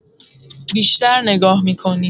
بیشتر نگاه می‌کنی.